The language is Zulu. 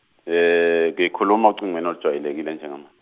ngikhuluma ocingweni olujwayelekile njengaman-.